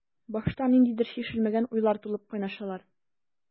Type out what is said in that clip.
Башта ниндидер чишелмәгән уйлар тулып кайнашалар.